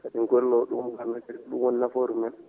kadi ngol ɗum * ɗum woni nafoore mumen